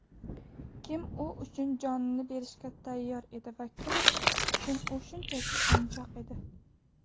kim u uchun jonini berishga tayyor edi va kim uchun u shunchaki o'yinchoq edi